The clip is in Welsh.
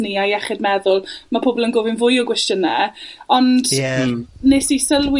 neu ei iechyd meddwl, ma' pobol yn gofyn fwy o gwestiyne, ond. Ie. Hmm. ...nes i sylwi